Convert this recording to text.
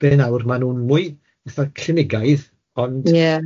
Ble nawr, ma' nw'n mwy itha cynegaidd ond... Ie...